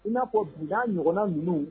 I n'a fɔ bitan ɲɔgɔnna ninnu